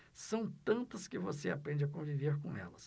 são tantas que você aprende a conviver com elas